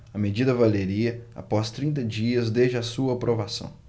a medida valeria após trinta dias desde a sua aprovação